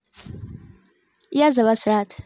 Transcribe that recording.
я за вас рад